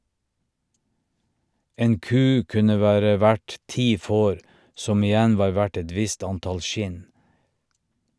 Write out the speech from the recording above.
En ku kunne være verd ti får, som igjen var verdt et visst antall skinn.